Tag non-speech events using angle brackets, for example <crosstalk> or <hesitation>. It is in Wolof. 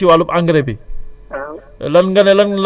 <hesitation> li nga waxoon léegi nii ci wàllub engrais bi